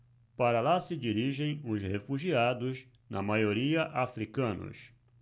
para lá se dirigem os refugiados na maioria hútus